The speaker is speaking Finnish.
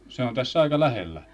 se on tässä aika lähellä